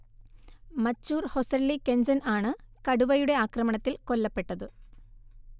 മച്ചൂർ ഹൊസള്ളി കെഞ്ചൻ ആണ് കടുവയുടെ ആക്രമണത്തിൽ കൊല്ലപ്പെട്ടത്